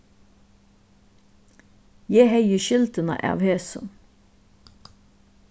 eg hevði skyldina av hesum